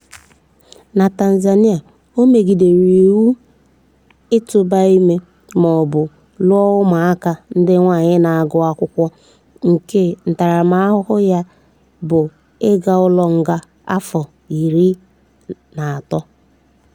Na Tanzania, o megidere iwu itụba ime ma ọ bu lụọ ụmụaka ndị nwaanyị na-agụ akwụkwọ nke ntaramahụhụ ya bụ ịga ụlọ nga afọ 30.